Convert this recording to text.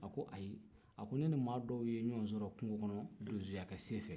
a ko ayi a ko ne ni maa dɔw ye ɲɔgɔn sɔrɔ kungo kɔnɔ donsoya kɛ senfɛ